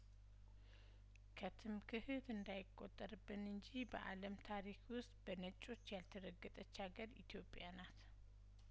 ከትምክህት እንዳይቆጠርብን እንጂ በአለም ታሪክ ውስጥ በነጮች ያልተረገጠች አገር ኢትዮጵያ ናት